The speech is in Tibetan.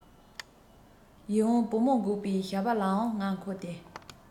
ཡིད འོང བུ མོ འགུགས པའི ཞགས པ ལའང ང མཁོ སྟེ